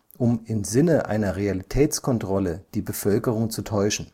um im Sinne einer Realitätskontrolle die Bevölkerung zu täuschen